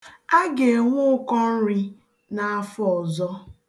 A ga-enwe ụkọ nri na afọ ọzọ